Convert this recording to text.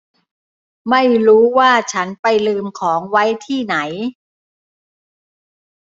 ไม่รู้ว่าฉันไปลืมของไว้ที่ไหน